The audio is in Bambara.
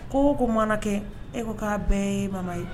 Ko o ko mana kɛ e ko k'a bɛɛ ye mama ye